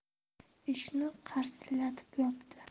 eshikni qarsillatib yopdi